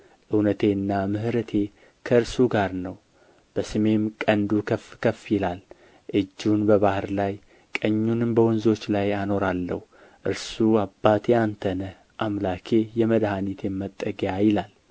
እውነቴና ምሕረቴም ከእርሱ ጋር ነው በስሜም ቀንዱ ከፍ ከፍ ይላል እጁን በባሕር ላይ ቀኙንም በወንዞች ላይ አኖራለሁ እርሱ አባቴ አንተ ነህ አምላኬ የመድኃኒቴም መጠጊያ ይላል